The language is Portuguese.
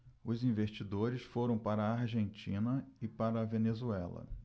os investidores foram para a argentina e para a venezuela